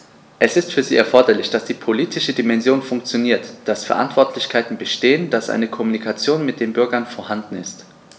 Es ist für sie erforderlich, dass die politische Dimension funktioniert, dass Verantwortlichkeiten bestehen, dass eine Kommunikation mit den Bürgern vorhanden ist.